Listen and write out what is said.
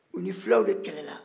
u ni filaw de kɛlɛla